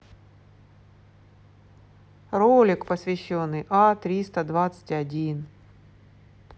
ролик посвященный а триста двадцать один